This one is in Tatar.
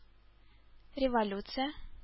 Революция